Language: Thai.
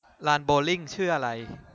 ลานโบว์ลิ่งชื่ออะไร